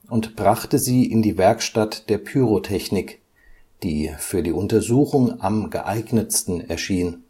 und brachte sie in die Werkstatt der Pyrotechnik, die für die Untersuchung am geeignetsten erschien